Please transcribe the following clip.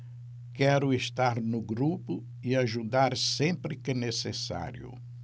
quero estar no grupo e ajudar sempre que necessário